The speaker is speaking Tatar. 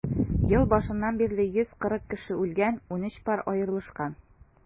Ел башыннан бирле 140 кеше үлгән, 13 пар аерылышкан.